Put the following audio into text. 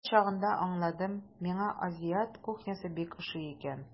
Ул чагында аңладым, миңа азиат кухнясы бик ошый икән.